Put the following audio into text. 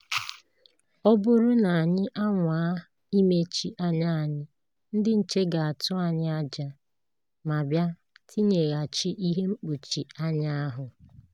Ọ bụrụ na anyị anwaa imechi anya anyị, ndị nche ga-atụ anyị aja. Ma bịa tinyeghachi ihe mkpuchi anya ahụ.